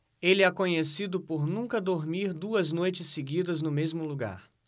ele é conhecido por nunca dormir duas noites seguidas no mesmo lugar